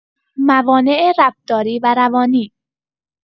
موانع رفتاری و روانی